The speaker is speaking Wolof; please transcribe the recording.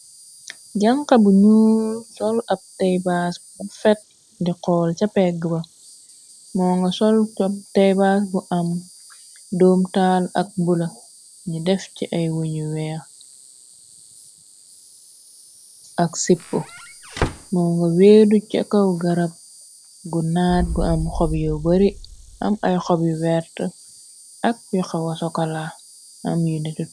Janxa bu ñuul sol ab teybaas bu fet di xool ca pegg ba, moo nga sol teybaas bu am doomtaal ak bula ni def ci ay wuñu weex, ak sipp moo nga weedu ci kaw garab gu naat gu am xob yew bari, am ay xob yu wert, yu xawa sokala am yu netu.